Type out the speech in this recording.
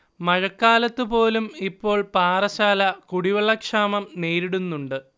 മഴക്കാലത്ത് പോലും ഇപ്പോൾ പാറശ്ശാല കുടിവെള്ളക്ഷാമം നേരിടുന്നുണ്ട്